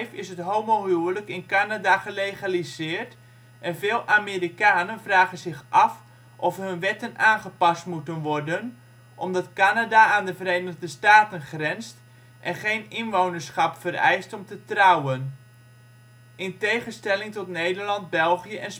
is het homohuwelijk in Canada gelegaliseerd, en veel Amerikanen vragen zich af of hun wetten aangepast moeten worden; omdat Canada aan de Verenigde Staten grenst en geen inwonerschap vereist om te trouwen (in tegenstelling tot Nederland, België en